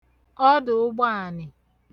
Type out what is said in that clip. ọdụ̀ụgbọànị̀